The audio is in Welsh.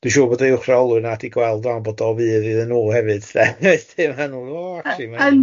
Dwi'n siŵr bod y uwch reolwyr na wedi gweld o, bod o fudd iddyn nhw hefyd de .